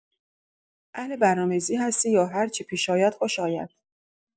اهل برنامه‌ریزی هستی یا هرچه پیش آید خوش آید؟